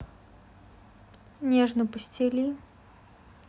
нежно постели